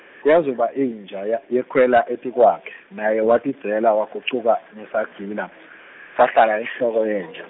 Yazuba inja, ya yekhwela etikwakhe, naye watidzela wagucuka ngesagila , sahlala enhloko yenja.